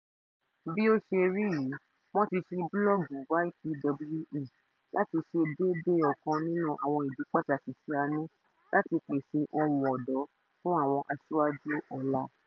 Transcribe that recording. Bí ó ṣe rí yìí, wọ́n ti ṣe búlọ́ọ̀gù YPWA láti ṣe déédéé ọ̀kan nínú àwọn ìdí kan pàtàkì tí a ní: láti pèsè "ohùn ọ̀dọ́" fún àwọn asíwájú ọ̀la.